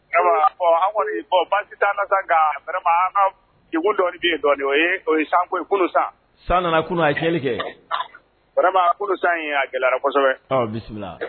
Abaa bon an kɔnii bon baasi t'an na nkaa vraiment an ŋa f degun dɔɔni be ye dɔɔni o ye o ye san ko ye kunun san san nana kunun a ye tiɲɛli kɛ vraiment kunun san in a gɛlɛyara kosɛbɛ ɔ bisimila